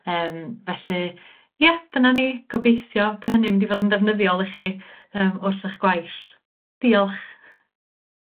###yym felly ie, dyna ni, gobeithio bo' hynny'n mynd i fod yn ddefnyddiol i chi yym wrth 'ych gwaith. Diolch.